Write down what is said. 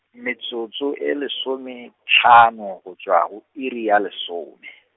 metsotso e lesometlhano, go tšwa go iri ya lesome.